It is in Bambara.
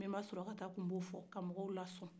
nbenba sulakata tun bo fɔ ka mɔgɔw la sɔn